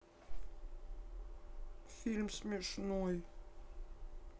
фильм смешной